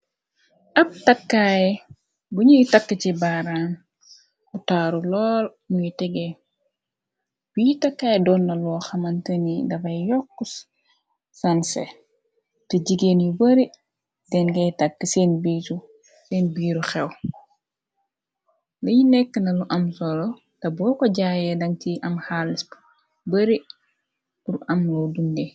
Ab takkaay buñuy tàkk ci baaraan bu taaru lool muy tegee biy takkaay doon na loo xamanta ni dafay yokk sanse te jigeen yu bari den ngay tàkk seen biiru xew liy nekk na lu am soro ta boo ko jaayee dan ci am xaalisb bari bur am loo dunde.